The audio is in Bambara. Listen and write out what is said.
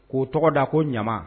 K'o tɔgɔ da ko ɲama